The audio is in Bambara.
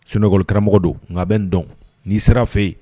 Sunkolonlikaramɔgɔ don nka bɛ n dɔn n'i sera fɛ yen